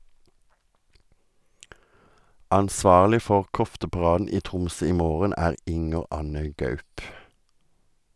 Ansvarlig for kofteparaden i Tromsø i morgen er Inger Anne Gaup.